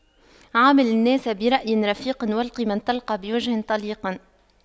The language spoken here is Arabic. عامل الناس برأي رفيق والق من تلقى بوجه طليق